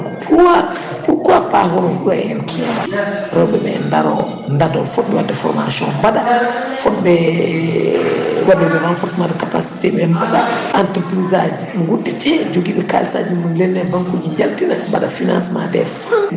donc pourqoui pas hono Houraye en ni kewani reɓeɓe daaro daado fodɓe wadde formation mbaɗa fodɓe waɗe renforcement de capacité mbaɗa entreprise aji guddite joguiɓe kalisaji leelne banque uji jaltina mbaɗa financement des *